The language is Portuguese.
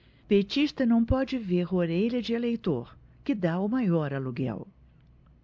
petista não pode ver orelha de eleitor que tá o maior aluguel